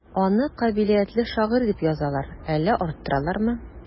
Аны кабилиятле шагыйрь дип язалар, әллә арттыралармы?